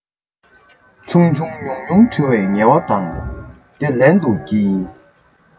ཆུང ཆུང ཉུང ཉུང འབྲི བའི ངལ བ དང དུ ལེན རྒྱུ དེ ཡིན